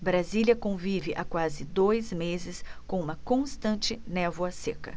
brasília convive há quase dois meses com uma constante névoa seca